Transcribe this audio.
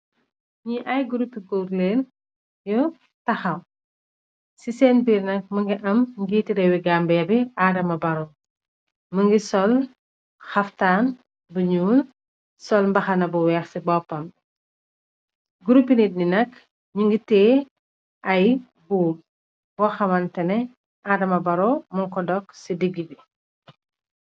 ñi ay grupi gorleen yu taxaw ci seen biir nak më ngi am ngiiti réwi gambeabi adama barrow më ngi sol haaftaan buñu sol mbaxana bu weex ci boppam bi grupi nit ni nak ñu ngi tee ay bu bo xamantene adama barrow mun ko dokk ci diggi bi